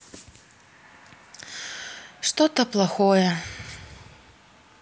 что то плохое